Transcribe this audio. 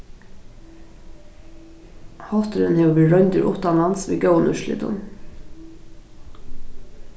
hátturin hevur verið royndur uttanlands við góðum úrslitum